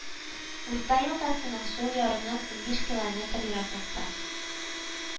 Урта елгасының сул ярыннан унбиш километр ераклыкта